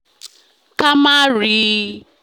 Ka má ri.”